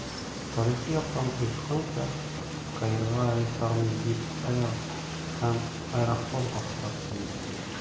Тарихи яктан оешканча, Каирга рейсларны Egypt Air һәм «Аэрофлот» башкарып килде.